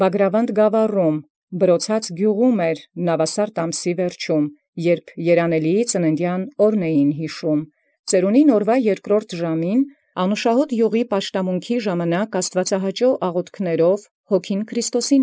Բագրաւանդ գաւառի, ի գիւղ Բլրոցաց, ի կատարել ամսեանն Նաւասարդի, որպէս և զաւր ծննդեան երանելոյն յիշէին, յերկրորդ ժամու աւուրն, ի պաշտաման անուշահոտ իւղոյն, հանդերձ աստուածահաճոյ աղաւթիւք ծերունւոյն ի Քրիստոս։